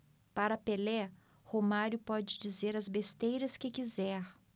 para pelé romário pode dizer as besteiras que quiser